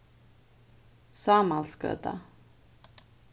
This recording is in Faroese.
sámalsgøta